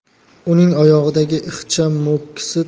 uning oyog'idagi ixcham mo'kkisi